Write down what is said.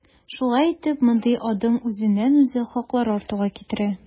Шулай итеп, мондый адым үзеннән-үзе хаклар артуга китерә.